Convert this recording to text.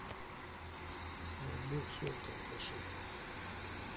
смартбокс окко прошивка